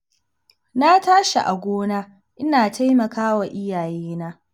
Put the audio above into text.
Na tashi a gona, ina taimaka wa iyayena.